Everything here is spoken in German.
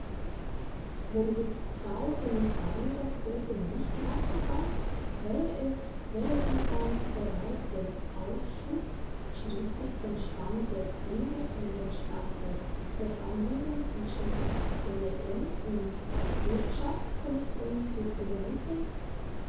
Wenn die Frau Kommissarin das heute nicht machen kann, wäre sie dann bereit, dem Ausschuss schriftlich den Stand der Dinge und den Stand der Verhandlungen zwischen CEN und Wirtschaftskommission zu übermitteln?